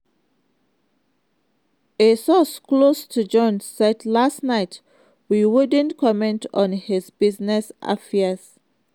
A source close to Jones said last night "We wouldn't comment on his business affairs."